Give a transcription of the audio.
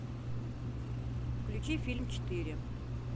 включи фильм четыре